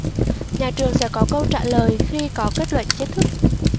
nhà trường sẽ có câu trả lời khi có kết luận chính thức